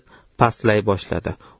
pastlay boshladi